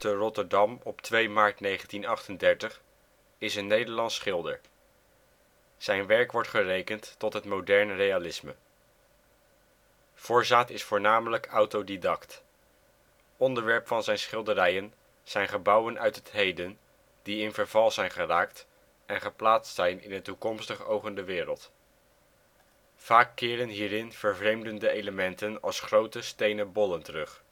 Rotterdam, 2 maart 1938) is een Nederlands schilder. Zijn werk wordt gerekend tot het modern realisme. Voorzaat is voornamelijk autodidact. Onderwerp van zijn schilderijen zijn gebouwen uit het heden, die in verval zijn en geplaatst zijn in een toekomstig ogende wereld. Vaak keren hierin vervreemdende elementen als grote stenen bollen terug